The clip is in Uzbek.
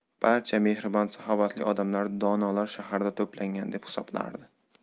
barcha mehribon saxovatli odamlar donolar shaharga to'plangan deb hisoblardi